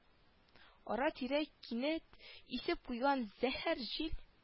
Ара-тирә кинәт исеп куйган зәһәр җил